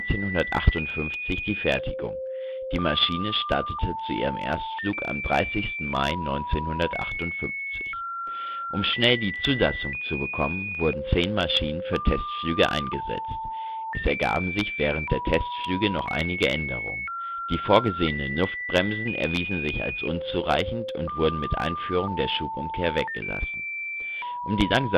1958 die Fertigung. Die Maschine startete zu ihrem Erstflug am 30. Mai 1958. Um schnell die Zulassung zu bekommen, wurden zehn Maschinen für Testflüge eingesetzt. Es ergaben sich während der Testflüge noch einige Änderungen. Die vorgesehenen Luftbremsen erwiesen sich als unzureichend und wurden mit Einführung der Schubumkehr weggelassen. Um